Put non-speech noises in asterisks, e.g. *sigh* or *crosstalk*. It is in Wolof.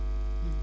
*hesitation* *hesitation*